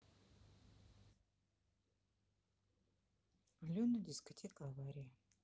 алена дискотека авария